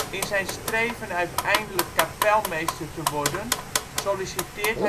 In zijn streven uiteindelijk kapelmeester te worden solliciteert